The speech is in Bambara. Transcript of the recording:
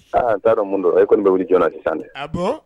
Aa n t'a dɔn mun don e kɔni bɛ wuli joona sisan de ah bon